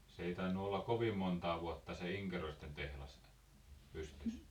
se ei tainnut olla kovin montaa vuotta se Inkeroisten tehdas pystyssä